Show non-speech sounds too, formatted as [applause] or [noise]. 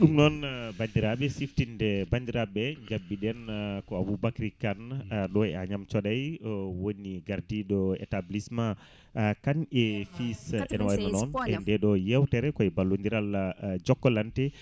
ɗum noon bandiraɓe siftinde bandiraɓe ɓe jabɓiɗen ko Aboubacry Kane [hesitation] ɗo e Agname Thiodaye o woni gardiɗo établissement Kane et fils [crosstalk] ene waynono noon e ndeɗo yewtere koye ballodiral Jokalante